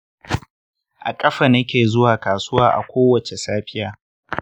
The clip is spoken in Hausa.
a ƙafa nake zuwa kasuwa a kowace safiya.